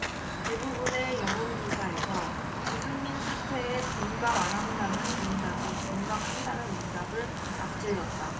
대부분의 여론조사에서 유승민 사퇴에 공감 안 한다는 응답이 공감한다는 응답을 앞질렀다